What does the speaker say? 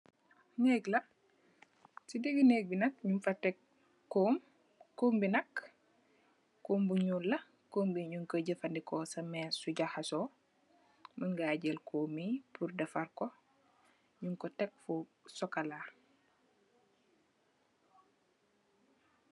Li nak nage la ci digi nege bi nak nong feke come nome bu njul la nong koi jafadiko sousa bmees bi jaxso man nga jal come bi pur defar ko nong ko tek fofu bu sokola